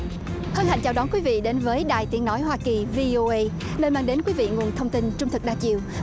hân hạnh chào đón quý vị đến với đài tiếng nói hoa kỳ vi ô ây nơi mang đến quý vị nguồn thông tin trung thực đa chiều